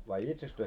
vai itsekseen te